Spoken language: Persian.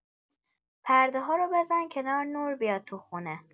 پرده‌ها رو بزن کنار، نور بیاد تو خونه!